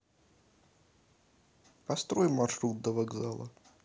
построй маршрут до вокзала